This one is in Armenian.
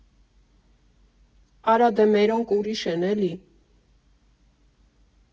Արա, դե մերոնք ուրիշ են, էլի։